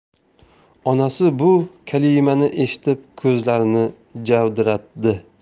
onasi bu kalimani eshitib ko'zlarini javdiratdi